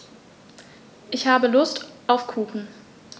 Ich habe Lust auf Kuchen.